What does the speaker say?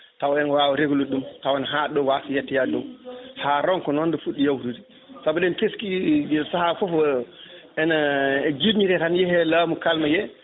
taw ene wawa reglude ɗum taw ne haaɗaɗo wasa yettoyade dow ha ronka noon nde fuɗɗo yawtude saabu eɗen teski saaha foof ene jinnitete tan yeehe laamu kalnoye